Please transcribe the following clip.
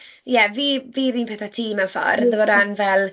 Ie, fi fi yr un peth â ti mewn ffordd o ran, fel...